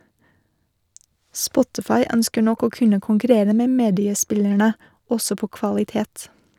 Spotify ønsker nok å kunne konkurrere med mediespillerne - også på kvalitet.